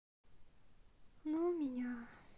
ну меня